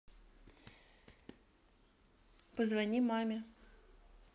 позвони маме